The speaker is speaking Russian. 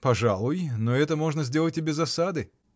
— Пожалуй, но это можно сделать и без осады.